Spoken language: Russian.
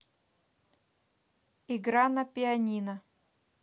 игра на пианино